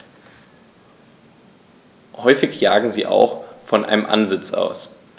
Häufig jagen sie auch von einem Ansitz aus.